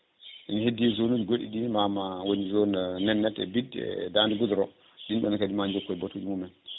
ine heddi zone uji goɗɗi ɗini ma ma woni zone Nennete e Biddi e Dande goudron ɗin ɗonne kadi ma jokkoy baatuji mumen